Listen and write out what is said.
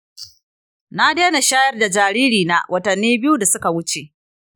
na daina shayar da jaririna watanni biyu da suka wuce.